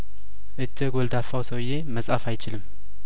እጀ ጐልዳ ፋው ሰውዬ መጻፍ አይችልም